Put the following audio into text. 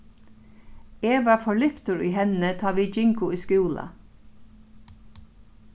eg var forliptur í henni tá vit gingu í skúla